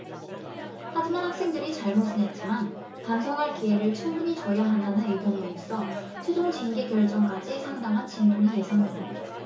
하지만 학생들이 잘못은 했지만 반성할 기회를 충분히 줘야 한다는 의견도 있어 최종 징계 결정까지 상당한 진통이 예상됩니다